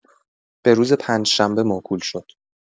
به‌روز پنجشنبه موکول شد.